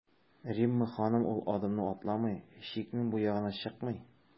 Римма ханым ул адымны атламый, чикнең бу ягына чыкмый.